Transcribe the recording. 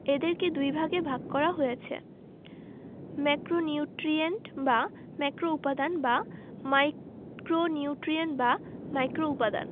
এদেরকে দুইভাগে ভাগ করা হয়েছে ম্যাক্রোনিউট্রিয়েন্ট বা ম্যাক্রোউপাদান এবং মাইক্রোনিউট্রিয়েন্ট বা মাইক্রোউপাদান